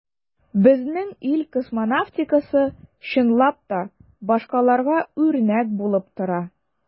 Безнең ил космонавтикасы, чынлап та, башкаларга үрнәк булып тора.